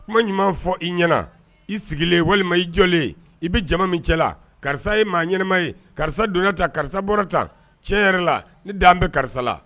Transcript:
Kuma ɲuman fɔ i ɲɛnaana i sigilen walima i jɔlen i bɛ jama min cɛ la karisa ye maa ɲɛnaɛnɛma ye karisa donna ta karisa bɔra tan cɛ yɛrɛ la ni dan bɛ karisa la